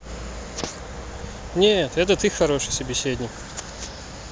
нет это ты хороший собеседник